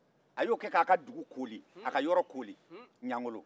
a y'o kɛ k'a ka yɔrɔ koli